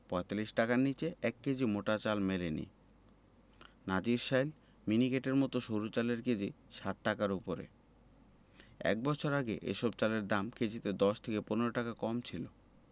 ৪৫ টাকার নিচে ১ কেজি মোটা চাল মেলেনি নাজিরশাইল মিনিকেটের মতো সরু চালের কেজি ৬০ টাকার ওপরে এক বছর আগে এসব চালের দাম কেজিতে ১০ থেকে ১৫ টাকা কম ছিল